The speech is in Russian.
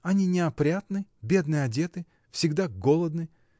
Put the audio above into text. — Они неопрятны, бедно одеты, всегда голодны.